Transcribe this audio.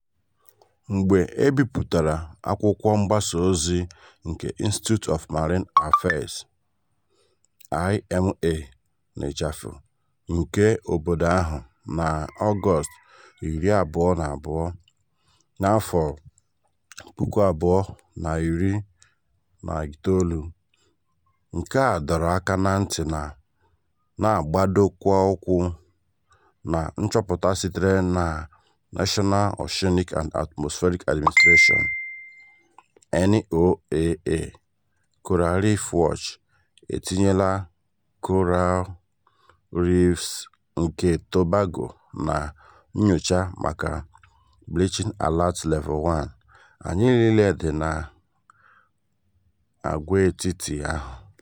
Mgbe e bipụtara akwụkwọ mgbasaozi nke Institute of Marine Affairs (IMA) nke obodo ahụ na Ọgọst 22, 2019, nke a dọrọ aka na nti na— n'igbadoụkwụ na nchọpụta sitere na National Oceanic and Atmospheric Administration (NOAA) Coral Reef Watch — etinyela Coral Reefs nke Tobago na nyocha maka ""Bleaching Alert Level One" — anya niile dị n'agwaetiti ahụ.